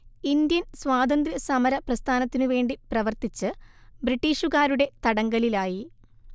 Indian സ്വാതന്ത്ര്യ സമരപ്രസ്ഥാനത്തിനു വേണ്ടി പ്രവർത്തിച്ച് ബ്രിട്ടീഷുകാരുടെ തടങ്കലിലായി